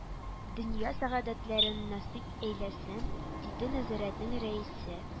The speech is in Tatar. Дөнья сәгадәтләрен насыйп әйләсен, диде нәзарәтнең рәисе